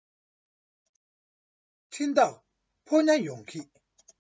འཕྲིན བདག ཕོ ཉ ཡོང གི